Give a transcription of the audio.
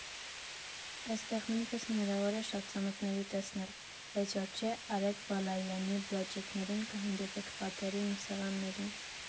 Այստեղ նույնպես հնարավոր է շատ ծանոթների տեսնել, հեչ որ չէ՝ Արեգ Բալայանի Բլոճիկներին կհանդիպեք պատերին ու սեղաններին։